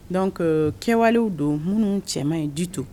Donc kɛwalew don minnu cɛman ye ditu